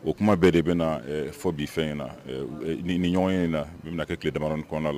O kuma bɛɛ de bɛna na ɛ fɔ bi fɛn in na ɛ ni ni ɲɔgɔnye in na min bɛ na kɛ ni tile damada ni kɔnɔna na.